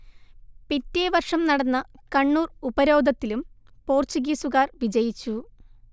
പിറ്റെ വർഷം നടന്ന കണ്ണൂർ ഉപരോധത്തിലും പോർച്ചുഗീസുകാർ വിജയിച്ചു